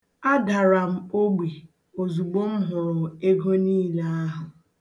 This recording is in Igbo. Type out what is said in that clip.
Adara m ogbi ozugbo m hụrụ ego niile ahụ.